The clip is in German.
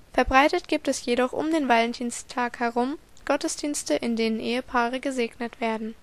Verbreitet gibt es jedoch um den Valentinstag herum Gottesdienste, in denen Ehepaare gesegnet werden